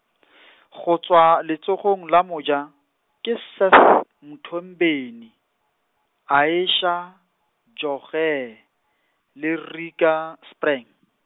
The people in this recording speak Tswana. go tswa letsogong la moja, ke Seth Mthombeni, Aysha Jogee, le Rika Sprang.